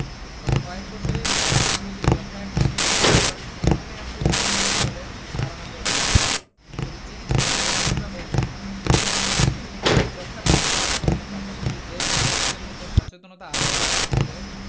গত কয়েক বছরে ওষুধ প্রতিরোধী যক্ষ্মায় আক্রান্ত রোগীর সংখ্যা কমে আসতে শুরু করেছে বলে ধারণা করছেন তারা তবে চিকিৎসক ও গবেষকরা বলছেন শিশু যক্ষ্ণারোগী শনাক্ত করণের পাশাপাশি দেশজুড়ে মানুষের মধ্যে সচেতনতা আরও বাড়ানো গেলে